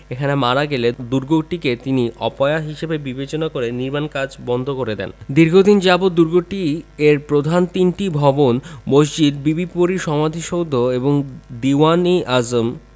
খানে মারা গেলে দুর্গটিকে তিনি অপয়া হিসেবে বিবেচনা করে নির্মাণ কাজ বন্ধ করে দেন দীর্ঘদিন যাবৎ দুর্গটিকে এর প্রধান তিনটি ভবন মসজিদ বিবি পরীর সমাধিসৌধ এবং দীউয়ান ই আযম